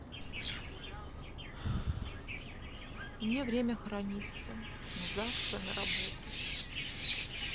мне время хорониться на завтра на работу